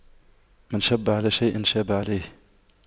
من شَبَّ على شيء شاب عليه